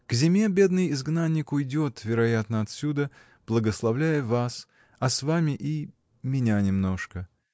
К зиме бедный изгнанник уйдет, вероятно, отсюда, благословляя вас, а с вами и. меня немножко.